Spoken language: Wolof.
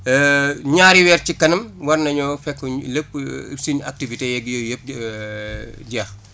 ñaari weer ci kanam war nañoo fekk ñu lépp suñ activités yeeg yooyu yëpp jeex